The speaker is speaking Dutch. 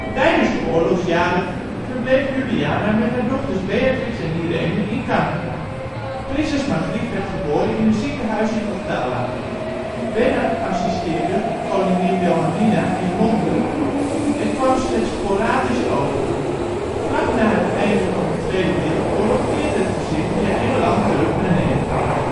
Tijdens de oorlogsjaren verbleef Juliana met haar dochters Beatrix en Irene in Canada. Prinses Margriet werd geboren in een ziekenhuis in Ottawa. Bernhard assisteerde koningin Wilhelmina in Londen en kwam slechts sporadisch over. Vlak na het einde van de Tweede Wereldoorlog keerde het gezin via Engeland terug naar Nederland